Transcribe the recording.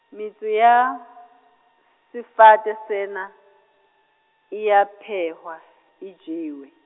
metso ya, sefate sena, e a phehwa e jewe.